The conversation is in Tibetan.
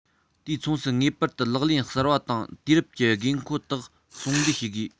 དུས མཚུངས སུ ངེས པར དུ ལག ལེན གསར པ དང དུས རབས ཀྱི དགོས མཁོ དག ཟུང འབྲེལ བྱེད དགོས